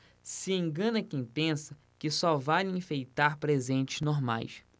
se engana quem pensa que só vale enfeitar presentes normais